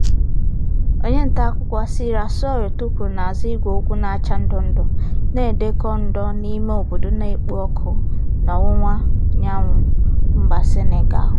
Onye ntaakụkọ, Sira Sow tukwuru n'azụ igwe okwu na-acha ndụ ndụ na ndekọ ndo n'ime obodo na-ekpo ọkụ n'ọwụwaanyanwụ mba Senegal.